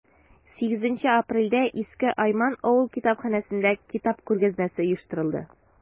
8 апрельдә иске айман авыл китапханәсендә китап күргәзмәсе оештырылды.